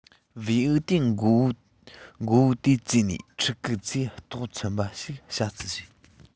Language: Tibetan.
བེའུ དེའི མགོ བོ དེ བཙོས ནས ཕྲུ གུ ཚོའི ལྟོགས ཚིམས པ ཞིག བྱ རྩིས བྱས